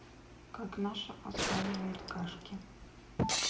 как наша оскаливает кашки